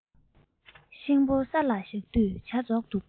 ཤིང ཕོར ས ལ བཞག དུས ཇ རྫོགས འདུག